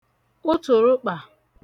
ụtụ̀rụkpà